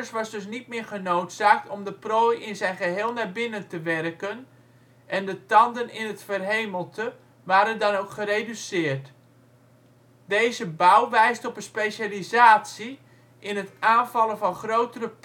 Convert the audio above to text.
was dus niet meer genoodzaakt om de prooi in zijn geheel naar binnen te werken en de tanden in het verhemelte waren dan ook gereduceerd. Deze bouw wijst op een specialisatie in het aanvallen van grotere